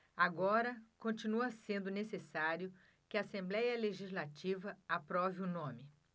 agora continua sendo necessário que a assembléia legislativa aprove o nome